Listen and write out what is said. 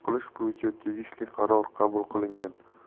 qilish bo'yicha tegishli qaror qabul qilingan